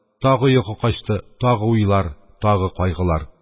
Тагы йокы качты; тагы уйлар, тагы кайгылар.